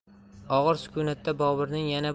og'ir sukunatda boburning yana